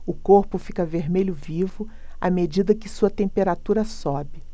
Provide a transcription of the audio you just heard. o corpo fica vermelho vivo à medida que sua temperatura sobe